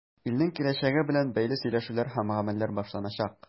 Илнең киләчәге белән бәйле сөйләшүләр һәм гамәлләр башланачак.